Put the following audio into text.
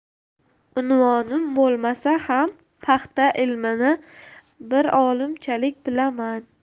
unvonim bo'lmasa ham paxta ilmini bir olimchalik bilaman